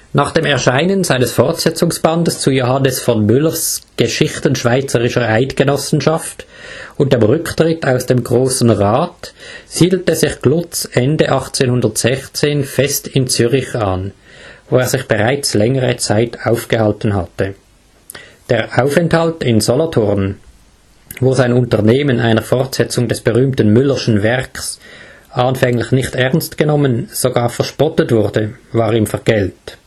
Nach dem Erscheinen seines Fortsetzungsbandes zu Johannes von Müllers „ Geschichten schweizerischer Eidgenossenschaft “und dem Rücktritt aus dem Grossen Rat siedelte sich Glutz Ende 1816 fest in Zürich an, wo er sich bereits längere Zeit aufgehalten hatte. Der Aufenthalt in Solothurn, wo sein Unternehmen einer Fortsetzung des berühmten Müllerschen Werks anfänglich nicht ernstgenommen, sogar verspottet wurde, war ihm vergällt